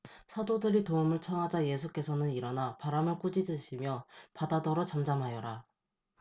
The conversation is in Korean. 사도들이 도움을 청하자 예수께서는 일어나 바람을 꾸짖으시며 바다더러 잠잠하여라